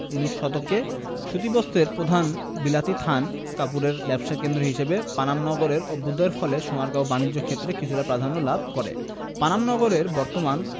ঊনিশ শতকে সুতিবস্ত্রের প্রধানত বিলাতি থান কাপড়ের ব্যবসাকেন্দ্র হিসেবে পানাম নগরের অভ্যুদয়ের ফলে সোনারগাঁও বাণিজ্য ক্ষেত্রে কিছুটা প্রাধান্য লাভ করে পানাম নগরের বর্তমান